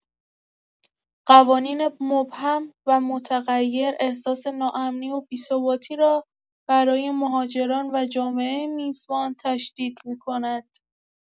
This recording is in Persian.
قوانین مبهم و متغیر، احساس ناامنی و بی‌ثباتی را برای مهاجران و جامعه میزبان تشدید می‌کند.